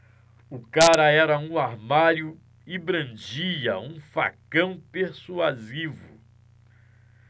o cara era um armário e brandia um facão persuasivo